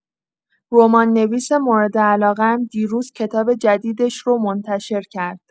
رمان‌نویس مورد علاقه‌م دیروز کتاب جدیدش رو منتشر کرد.